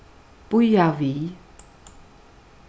bíða við